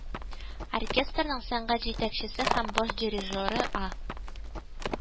Оркестрның сәнгать җитәкчесе һәм баш дирижеры А